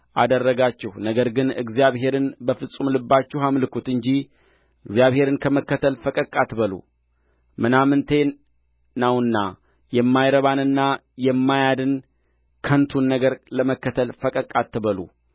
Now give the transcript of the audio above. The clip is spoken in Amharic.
አደረጋችሁ ነገር ግን እግዚአብሔርን በፍጹም ልባችሁ አምልኩት እንጂ እግዚአብሔርን ከመከተል ፈቀቅ አትበሉ ምናምንቴ ነውና የማይረባንና የማያድን ከንቱን ነገር ለመከተል ፈቀቅ አትበሉ